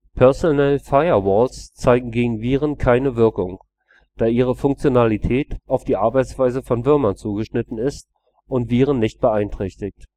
Personal Firewalls zeigen gegen Viren keine Wirkung, da ihre Funktionalität auf die Arbeitsweise von Würmern zugeschnitten ist und Viren nicht beeinträchtigt